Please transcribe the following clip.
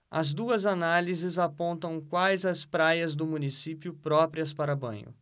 as duas análises apontam quais as praias do município próprias para banho